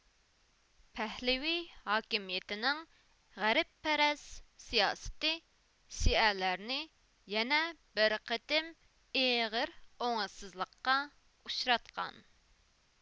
پەھلىۋى ھاكىمىيىتىنىڭ غەربپەرەس سىياسىتى شىئەلەرنى يەنە بىر قېتىم ئېغىر ئوڭۇشسىزلىققا ئۇچراتقان